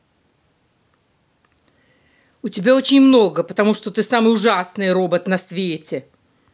у тебя очень много потому что ты самый ужасный робот на свете